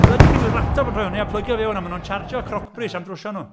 Bloody computer laptop a plygio fewn... Maen nhw'n chargio crocbris am drwsio nhw.